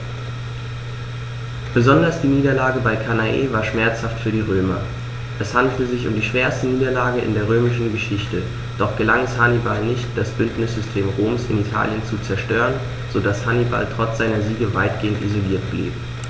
Besonders die Niederlage bei Cannae war schmerzhaft für die Römer: Es handelte sich um die schwerste Niederlage in der römischen Geschichte, doch gelang es Hannibal nicht, das Bündnissystem Roms in Italien zu zerstören, sodass Hannibal trotz seiner Siege weitgehend isoliert blieb.